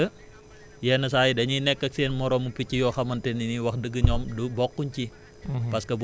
parce que yenn saa yi dañuy nekkag seen moromu picc yoo xamante ne ni wax dëgg ñoom du bokkuñ ci